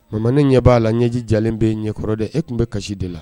Ma ne ɲɛ b'a la ɲɛjijalen bɛ ɲɛkɔrɔ de e tun bɛ kasi de la